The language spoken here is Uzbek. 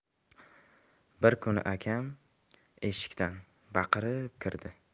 bir kuni akam eshikdan baqirib kirdi